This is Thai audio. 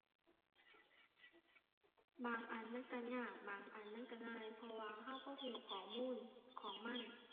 บางอันมันก็ยาก บางอันมันก็ง่าย เพราะว่าก็บ่ก็ข้อมูลของมัน